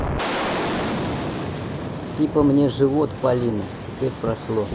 типа мне живот полина теперь прошло